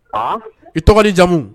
A i tɔgɔ jamumu